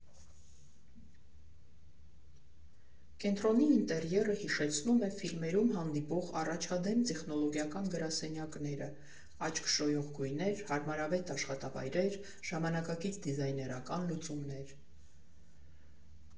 Կենտրոնի ինտերիերը հիշեցնում է ֆիլմերում հանդիպող առաջադեմ տեխնոլոգիական գրասենյակները՝ աչք շոյող գույներ, հարմարավետ աշխատավայրեր, ժամանակակից դիզայներական լուծումներ։